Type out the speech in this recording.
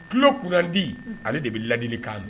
Tulo kunandi ale de be ladilikan m